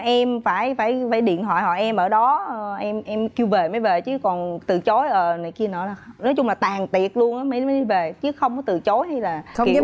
em phải phải phải điện thoại hỏi em ở đó em em kêu về mới về chứ còn từ chối ờ này kia nọ nói chung là tàn tiệc luôn mới về chứ không có từ chối hay là kiểu